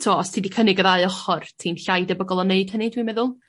t'o' os ti 'di cynnig y ddau ochr ti'n llai debygol o wneud hynny dwi'n meddwl.